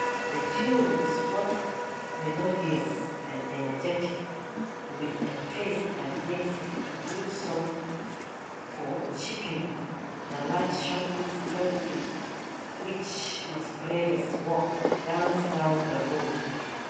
The tune is both melodious and energetic, with a pace that makes it a good song for "chipping" (the light shuffle step with which masqueraders walk/dance down the road).